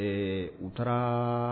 Ee u taara